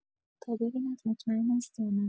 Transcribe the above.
تا ببیند مطمئن است یا نه